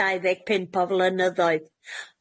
dau ddeg pump o flynyddoedd,